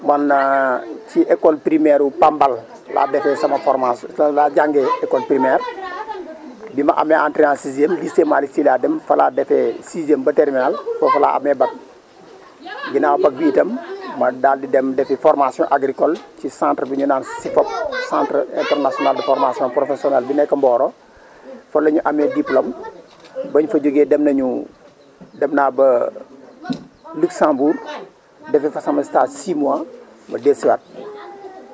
man fii école primaire Pambal laa defee sama format laa jàngee école primaire bi ma amee entrée en sixième Lycée Malick Sy laa dem fa laa defee sixième ba terminal foofu laa amee BAC ginnaaw BAC bi i tam ma daal di dem defi formation agricole ci centre bi ñu naan CIFOP centre international de formation profetionnelle bu nekk Mboro fa la ñu amee dipl$ome ba ñu fa jógee dem nañu dem naa ba Luxembourg defi fa sama stage 6 mois ma dellusiwaat